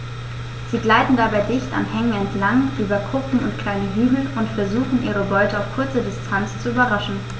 Sie gleiten dabei dicht an Hängen entlang, über Kuppen und kleine Hügel und versuchen ihre Beute auf kurze Distanz zu überraschen.